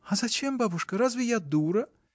— А зачем, бабушка: разве я дура?